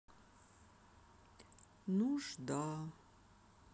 нужда